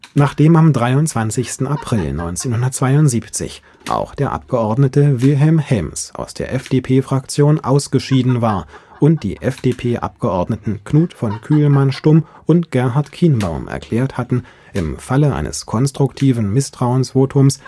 Nachdem am 23. April 1972 auch der Abgeordnete Wilhelm Helms aus der FDP-Fraktion ausgeschieden war und die FDP-Abgeordneten Knut von Kühlmann-Stumm und Gerhard Kienbaum erklärt hatten, im Falle eines konstruktiven Misstrauensvotums